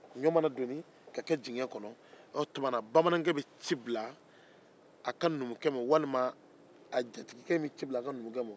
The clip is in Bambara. ɲɔ mana doni ka kɛ jigiɲɛ kɔnɔ o tuma na bamanankɛ bɛ ci bila a ka numukɛ ma walima a jatigikɛ bɛ ci bila a ka numukɛ ma